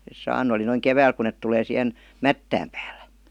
ne saanut oli noin keväällä kun ne tulee siihen mättään päälle